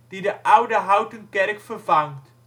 die de oude houten kerk vervangt